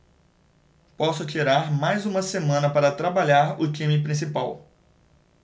posso tirar mais uma semana para trabalhar o time principal